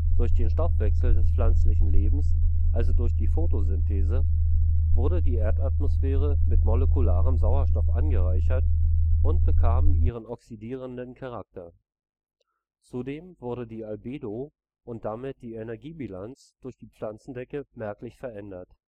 Durch den Stoffwechsel des pflanzlichen Lebens, also durch die Photosynthese, wurde die Erdatmosphäre mit molekularem Sauerstoff angereichert und bekam ihren oxidierenden Charakter. Zudem wurde die Albedo und damit die Energiebilanz durch die Pflanzendecke merklich verändert